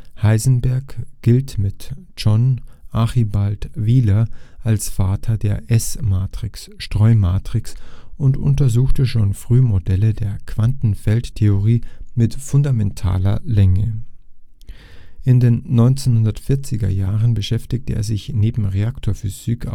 Heisenberg gilt mit John Archibald Wheeler als Vater der S-Matrix (Streumatrix) und untersuchte schon früh Modelle der Quantenfeldtheorie mit fundamentaler Länge. In den 1940er Jahren beschäftigte er sich neben Reaktorphysik